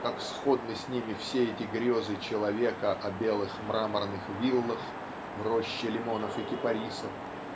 как сходны с ними все эти грезы Человека о белых мраморных виллах в роще лимонов и кипарисов